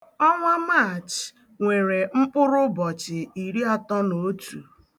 Ọnwa Maachị nwere mkpụrụ ụbọchị iri atọ na otu.